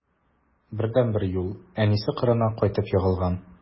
Бердәнбер юл: әнисе кырына кайтып егылган.